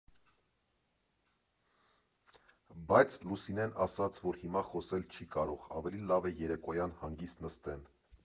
Բայց Լուսինեն ասաց, որ հիմա խոսել չի կարող, ավելի լավ է երեկոյան հանգիստ նստեն։